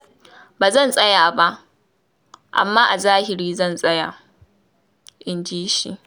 Ba zan tsaya ba, amma a zahiri zan tsaya,” inji shi.